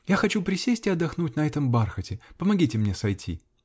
-- Я хочу присесть и отдохнуть на этом бархате. Помогите мне сойти.